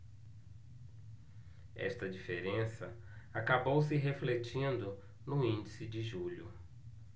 esta diferença acabou se refletindo no índice de julho